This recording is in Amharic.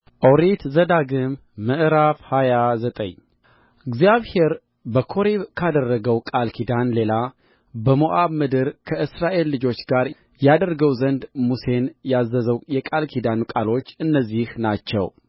ኦሪት ዘዳግም ምዕራፍ ሃያ ዘጠኝ እግዚአብሔር በኮሬብ ካደረገው ቃል ኪዳን ሌላ በሞዓብ ምድር ከእስራኤል ልጆች ጋር ያደርገው ዘንድ ሙሴን ያዘዘው የቃል ኪዳኑ ቃሎች እነዚህ ናቸው